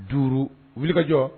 5 wulikajɔ